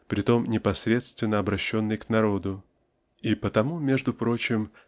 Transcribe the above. притом непосредственно обращенной к народу и потому между прочим